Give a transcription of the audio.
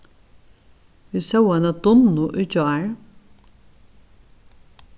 vit sóu eina dunnu í gjár